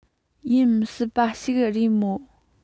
ཡིན མི སྲིད པ ཞིག རེད མོ